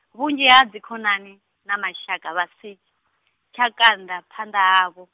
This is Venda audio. vhunzhi ha dzi khonani, na mashaka vha si, tsha ka nda, phanḓa havho.